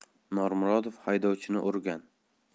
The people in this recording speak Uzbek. normurodov haydovchini urgan